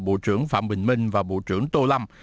bộ trưởng phạm bình minh và bộ trưởng tô lâm